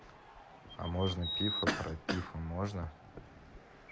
а можно пифа про пифа можно